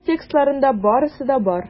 Аның текстларында барысы да бар.